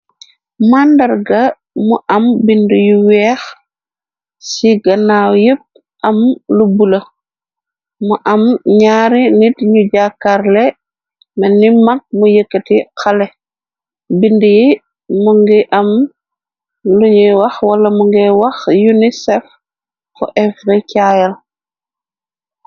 Mandar ga mu am bind yu weex ci ganaaw yépp am lu bula mu am ñaare nit ñu jàkkarle menni mag mu yëkkati xale bind yi mu ngi am luñuy wax wala mu ngi wax unisef ko evrecayl.